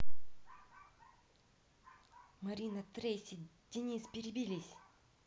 марина трейси денис перебились